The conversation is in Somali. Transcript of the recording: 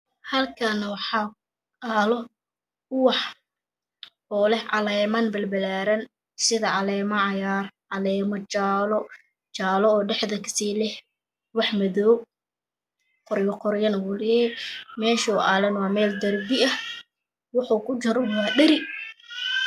Halkaane wax Ku aalo uwax oo leh caleman bal balaran sida calemaha cagar caleemo jaalo jaalo oo dhexda Kasi leh wax madow qoryo qoryane wuu leyahy meshoo aalane waa Mel darbi ah wuxu ku jirane waa dhari